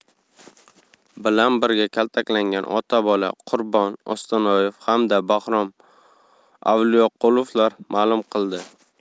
bilan birga kaltaklangan ota bola qurbon ostonoyev hamda bahrom avliyoqulovlar ma'lum qildi